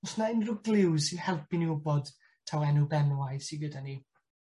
O's 'na unryw gliws sy'n helpu ni wbod taw enw benywaidd sy gyda ni?